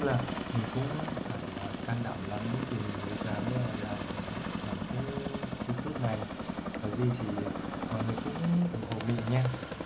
mình phải can đảm lắm mới dám làm youtube này có gì mọi người nhớ ủng hộ mình nha